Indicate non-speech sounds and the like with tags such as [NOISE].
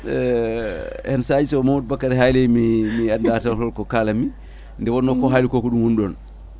[HESITATION] hen saahaji so Mamadou Bakary haali mi mi [LAUGHS] anda taw holko kalanmi nde wonno ko haaliko ko ɗum woni ɗon